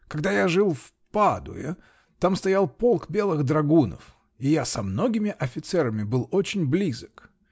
Когда я жил в Падут, там стоял полк белых драгунов -- и я со многими офицерами был очень близок!.